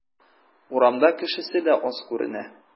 Урамда кешесе дә аз күренә.